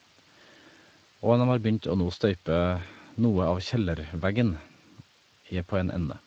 Og dem har begynt å nå støype noe av kjellerveggen i på en ende.